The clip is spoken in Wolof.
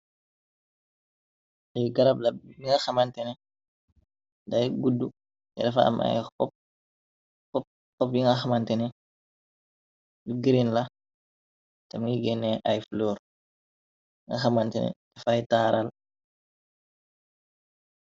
Li garabla bi nga xamantene dayi gudd, teh defa am ay xop, xop yi nga xamantene lu gireen la, tem ngi gennee ay flor nga xamantene dafay taaral.